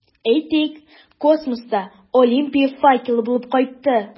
Әйтик, космоста Олимпия факелы булып кайтты.